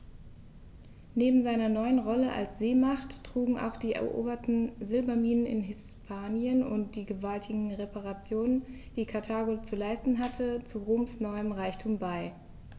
Neben seiner neuen Rolle als Seemacht trugen auch die eroberten Silberminen in Hispanien und die gewaltigen Reparationen, die Karthago zu leisten hatte, zu Roms neuem Reichtum bei.